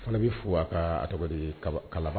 Fana b bɛ fo a ka tɔgɔ di kalaba